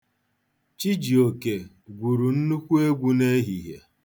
Chijioke gwuru nnukwu egwu n'ehihie.